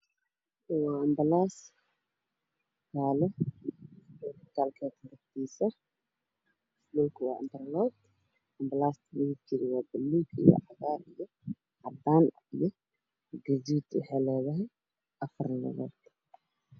Waa banbalaas taalo isbitaal hortiisa. Dhulku waa intarloog, bambalaasta midabkeedu waa buluug, cagaar, cadaan iyo gaduud.